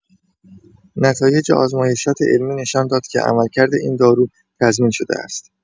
نتایج آزمایشات علمی نشان داد که عملکرد این دارو تضمین‌شده است.